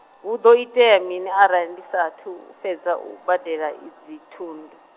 hu ḓo itea mini arali ndi sa athu u fhedzi u badela edzi thundu.